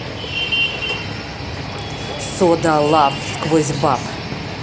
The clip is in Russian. soda luv сквозь баб